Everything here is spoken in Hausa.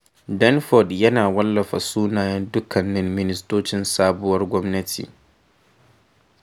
Denford yana wallafa sunayen dukkanin ministocin sabuwar gwamnati.